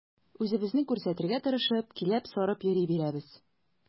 Үзебезне күрсәтергә тырышып, киләп-сарып йөри бирәбез.